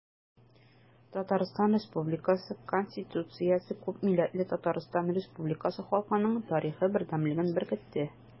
Татарстан Республикасы Конституциясе күпмилләтле Татарстан Республикасы халкының тарихы бердәмлеген беркетте.